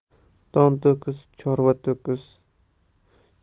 don to'kis chorva to'kis